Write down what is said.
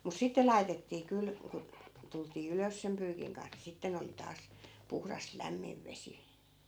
mutta sitten laitettiin kyllä kun tultiin ylös sen pyykin kanssa niin sitten oli taas puhdas lämmin vesi